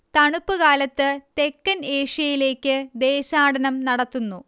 തണുപ്പ് കാലത്ത് തെക്കൻ ഏഷ്യയിലേക്ക് ദേശാടനം നടത്തുന്നു